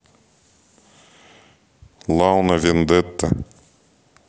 лауна вендетта